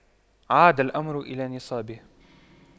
عاد الأمر إلى نصابه